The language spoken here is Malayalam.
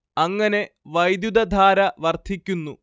അങ്ങനെ വൈദ്യുതധാര വർദ്ധിക്കുന്നു